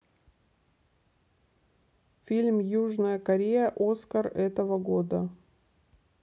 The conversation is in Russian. фильм южная корея оскар этого года